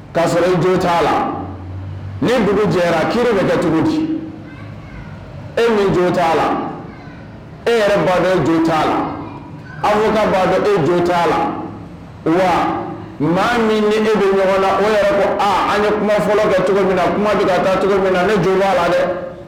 K'a sɔrɔ e jo t ta a la ni npogo jɛrayara ki bɛ kɛ tugu di e min jo t a la e yɛrɛ ba dɔn jo t' a la a ka ba dɔn e jo t ta a la wa maa min ni e bɛ ɲɔgɔn la o yɛrɛ ko aaa an ye kuma fɔlɔ kɛ cogo min na kuma bɛ da cogo min na ne jo' a la dɛ